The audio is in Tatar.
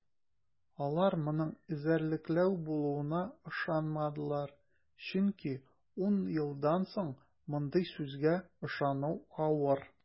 Алар моның эзәрлекләү булуына ышанмадылар, чөнки ун елдан соң мондый сүзгә ышану авыр.